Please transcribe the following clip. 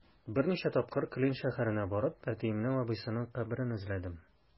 Берничә тапкыр Клин шәһәренә барып, әтиемнең абыйсының каберен эзләдем.